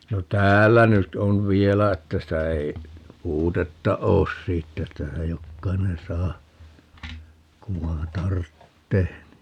no täällä nyt on vielä että sitä ei puutetta ole siitä että sitä jokainen saa kun vain tarvitsee niin